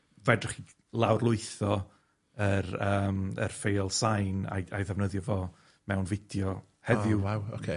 fedrwch chi lawrlwytho yr yym yr ffeil sain a'i a'i ddefnyddio fo mewn fideo heddiw. O, waw, ocê.